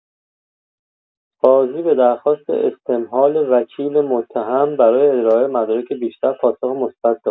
قاضی به درخواست استمهال وکیل متهم برای ارائه مدارک بیشتر پاسخ مثبت داد.